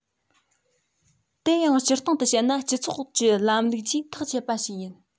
དེ ཡང སྤྱིར བཏང དུ བཤད ན སྤྱི ཚོགས ཀྱི ལམ ལུགས ཀྱིས ཐག བཅད པ ཞིག ཡིན